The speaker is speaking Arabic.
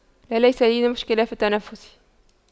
لا ليس لي مشكله في التنفس